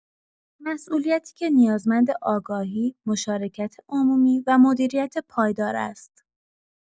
مسئولیتی که نیازمند آگاهی، مشارکت عمومی و مدیریت پایدار است.